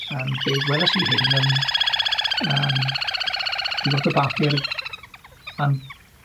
yym fe weles i hyn mewn yym ryw fath o bapur yym